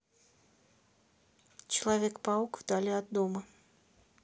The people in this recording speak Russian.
человек паук вдали от дома